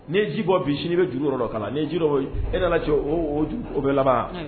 Ni ji bɔ bi n'i bɛ juru yɔrɔ dɔ kalan ni ji e nana cɛ o bɛ laban